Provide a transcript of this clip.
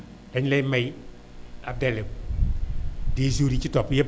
dañ lay may ab delai des jours yu ci topp yëpp